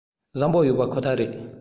བཟང པོ ཡོད པ ཁོ ཐག རེད